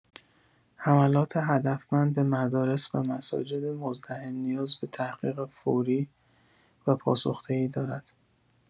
حملات هدفمند به مدارس و مساجد مزدحم نیاز به تحقیق فوری و پاسخ‌دهی دارد.